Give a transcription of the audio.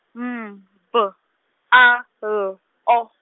M B A L O.